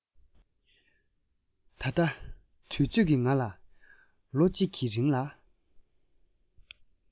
ད ལྟ དུས ཚོད ཀྱིས ང ལ ལོ གཅིག གི རིང ལ